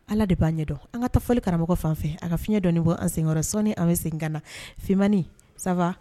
Ala de b'an ɲɛ dɔn an ka taa fɔli karamɔgɔ fan a ka fiɲɛ dɔnɔni bɔ an senkɔrɔ sɔni an bɛ sen ka na fi0 saba